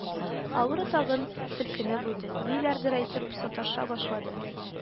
Авыру тагы селкенеп уйды, ниләрдер әйтеп саташа башлады